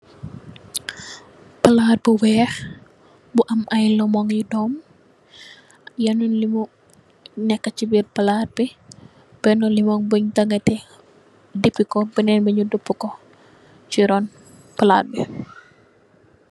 Palat bu weih bu am i lemongi dom ak yenen lemong neka sey birr palat bi bena lemong bunj dagateh dipiko benen bi nyu dopako sey run palat bi